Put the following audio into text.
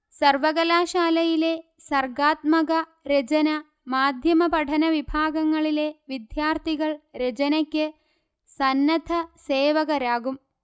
സർവകലാശാലയിലെ സർഗാത്മക രചന മാധ്യമപഠന വിഭാഗങ്ങളിലെ വിദ്യാർഥികൾ രചനയ്ക്ക് സന്നദ്ധ സേവകരാകും